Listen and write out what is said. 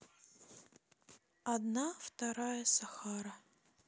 одна вторая сахара